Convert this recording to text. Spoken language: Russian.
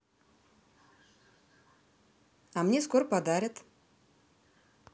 а мне скоро подарят